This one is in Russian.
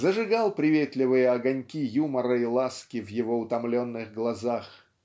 зажигал приветливые огоньки юмора и ласки в его утомленных глазах.